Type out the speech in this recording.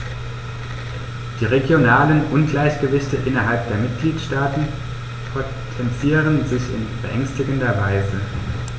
Die regionalen Ungleichgewichte innerhalb der Mitgliedstaaten potenzieren sich in beängstigender Weise.